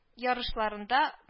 Ярышларында